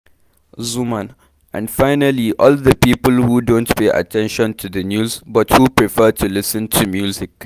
Xuman : And finally, all the people who don't pay attention to the news but who prefer to listen to music.